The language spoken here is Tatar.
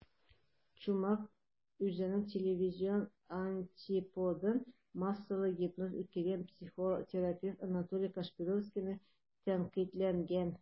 Чумак үзенең телевизион антиподын - массалы гипноз үткәргән психотерапевт Анатолий Кашпировскийны тәнкыйтьләгән.